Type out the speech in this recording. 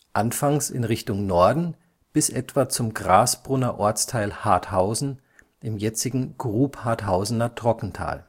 Anfangs in Richtung Norden bis etwa zum Grasbrunner Ortsteil Harthausen, im jetzigen Grub-Harthausener Trockental